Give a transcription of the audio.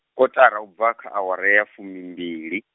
kotara u bva kha awara ya fumimbili.